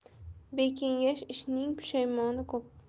bekengash ishning pushaymoni ko'p